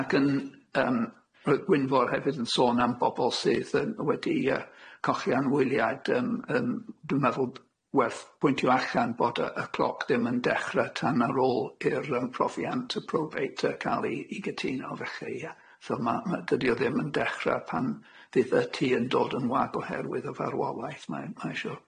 Ac yn yym ro'dd Gwynfor hefyd yn sôn am bobol sydd yn wedi yy colli anwyliad yym yn dwi'n meddwl werth pwyntio allan bod y y cloc ddim yn dechre tan ar ôl i'r yym profiant y probeit yy ca'l i 'i gytuno felly yy so ma' ma' dydi o ddim yn dechre pan fydd y tŷ yn dod yn wag oherwydd y farwolaeth mae- mae sho